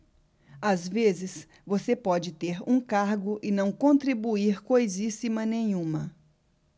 às vezes você pode ter um cargo e não contribuir coisíssima nenhuma